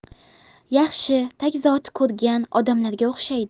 yaxshi tag zoti ko'rgan odamlarga o'xshaydi